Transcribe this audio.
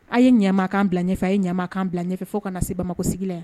A ye ɲɛmakan bila ɲɛfɛ a ye ɲɛmakan bila ɲɛfɛ fo ka na se bamakɔ sigilen yan